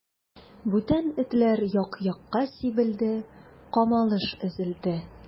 Бүтән этләр як-якка сибелде, камалыш өзелде.